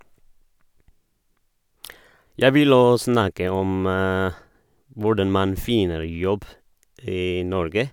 Jeg vil å snakke om hvordan man finner jobb i Norge.